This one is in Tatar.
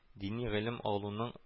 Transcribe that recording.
Дини гыйлем алуның